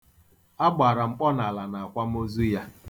A gbara mkpọnala n'akwamozu ya.